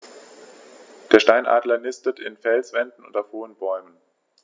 Der Steinadler nistet in Felswänden und auf hohen Bäumen.